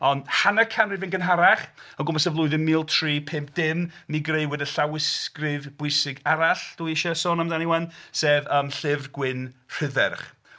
Ond hanner canrif yn gynharach, o gwmpas y flwyddyn mil tri pump dim mi grëwyd y llawysgrif bwysig arall dwi eisiau sôn amdani 'wan, sef yym Llyfr Gwyn Rhydderch.